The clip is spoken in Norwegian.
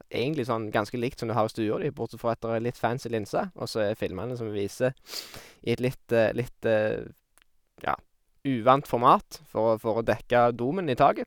Egentlig sånn ganske likt som du har i stua di, bortsett fra at der er litt fancy linse, og så er filmene som vi viser, i et litt litt, ja, uvant format for å for å dekke domen i taket.